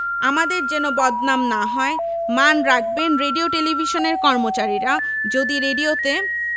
আমাদের যেন বদনাম না হয় মান রাখবেন রেডিও টেলিভিশনের কর্মচারীরা যদি রেডিওতে